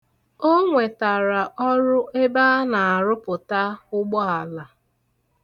O nwetara ọrụ ebe a na-arụpụta ụgbọala.